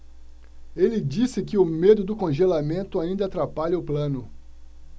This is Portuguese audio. ele disse que o medo do congelamento ainda atrapalha o plano